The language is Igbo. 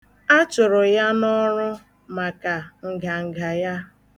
A chụrụ ya n'ọrụ maka nganga ya.